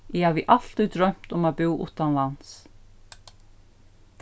eg havi altíð droymt um at búð uttanlands